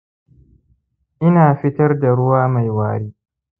ina fitar da ruwa mai wari